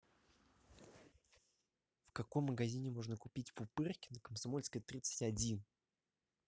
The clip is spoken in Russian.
в каком магазине можно купить пупырки на комсомольская тридцать один